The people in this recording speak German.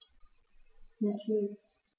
Natürlich.